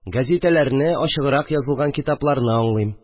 Гәзитәләрне, ачыграк язылган китапларны аңлыйм